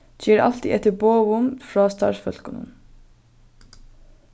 ger altíð eftir boðum frá starvsfólkunum